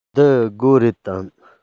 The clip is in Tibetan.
འདི སྒོ རེད དམ